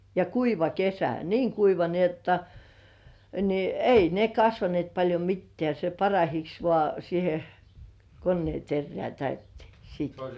ja kuiva kesä niin kuiva niin jotta niin ei ne kasvaneet paljon mitään se parahiksi vain siihen koneen terään täytteeksi siitä